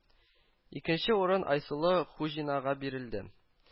Икенче урын Айсылу Хуҗинага бирелде